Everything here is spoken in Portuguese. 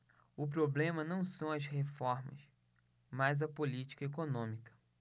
o problema não são as reformas mas a política econômica